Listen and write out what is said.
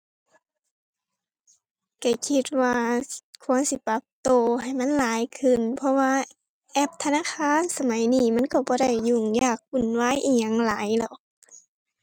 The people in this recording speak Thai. ก็คิดว่าควรสิปรับก็ให้มันหลายขึ้น เพราะว่าแอปธนาคารสมัยนี้มันก็บ่ได้ยุ่งยากวุ่นวายอิหยังหลายแล้ว